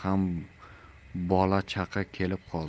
ham bola chaqa kelib qoldi